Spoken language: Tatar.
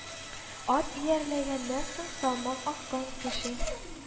Ат иярләгәннән соң салмак аккан кеше